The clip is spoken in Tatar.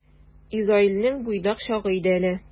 Изаилнең буйдак чагы иде әле.